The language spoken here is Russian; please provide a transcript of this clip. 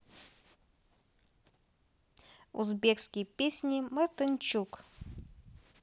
узбекские песни мартынчук